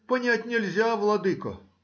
— Понять нельзя, владыко